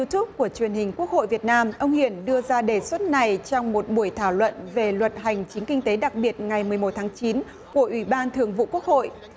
tút của truyền hình quốc hội việt nam ông hiển đưa ra đề xuất này trong một buổi thảo luận về luật hành chính kinh tế đặc biệt ngày mười một tháng chín của ủy ban thường vụ quốc hội